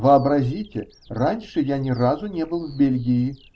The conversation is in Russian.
Вообразите, раньше я ни разу не был в Бельгии.